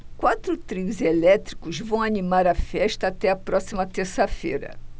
quatro trios elétricos vão animar a festa até a próxima terça-feira